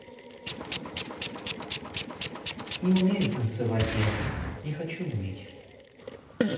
не умею танцевать я не хочу уметь